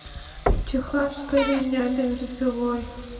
техасская резня бензопилой